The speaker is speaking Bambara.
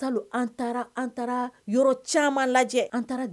Talon an taara an taara yɔrɔ caman lajɛ . An taara